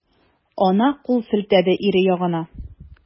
Ана кул селтәде ире ягына.